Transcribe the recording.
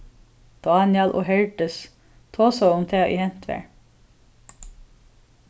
dánjal og herdis tosaðu um tað ið hent var